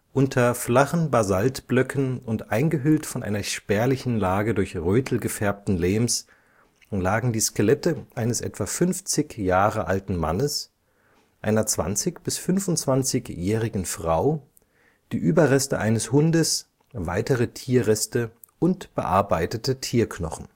Unter flachen Basaltblöcken und eingehüllt von einer spärlichen Lage durch Rötel gefärbten Lehms lagen die Skelette eines etwa 50 Jahre alten Mannes, einer 20 - bis 25-jährigen Frau, die Überreste eines Hundes, weitere Tierreste und bearbeitete Tierknochen